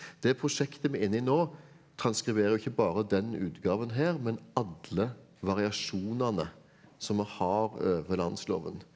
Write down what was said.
det prosjektet vi er inni nå transkriberer jo ikke bare den utgaven her men alle variasjonene som vi har over Landsloven.